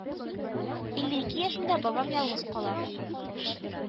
Илле ике яшендә бабам ялгыз кала